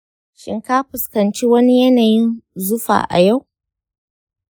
shin ka fuskanci wani yanayin zufa a yau